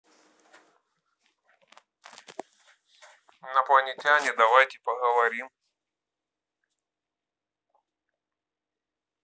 инопланетяне давайте поговорим